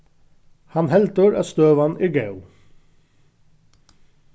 hann heldur at støðan er góð